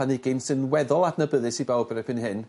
planhigyn sy'n weddol adnabyddus i bawb yn erbyn hyn